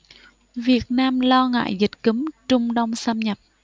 việt nam lo ngại dịch cúm trung đông xâm nhập